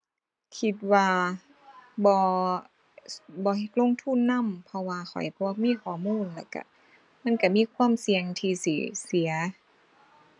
คิดว่า บ่ บ่ ลงทุนนำ เพราะว่าข้อยบ่มีข้อมูลแล้วก็ มันกะมีความเสี่ยงที่สิ เสีย